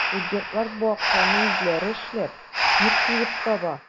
Студентлар бу акчаны үзләре эшләп, тир түгеп таба.